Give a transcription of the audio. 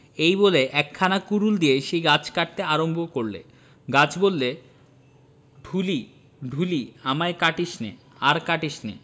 এই বলে একখানা কুডুল নিয়ে সেই গাছ কাটতে আরম্ভ করলে গাছ বললে ঢুলি ঢুলি আমায় কাটিসনে আর কাটিসনে